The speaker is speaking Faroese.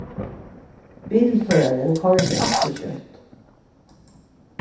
bilførarin koyrdi alt ov skjótt